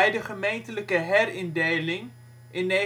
de gemeentelijke herindeling in 1989